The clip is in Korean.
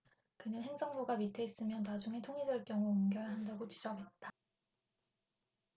그는 행정부가 밑에 있으면 나중에 통일될 경우 옮겨야 한다고 지적했다